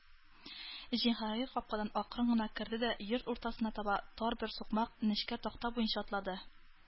Җиһангир капкадан акрын гына керде дә йорт уртасына таба тар бер сукмак—нечкә такта буенча атлады.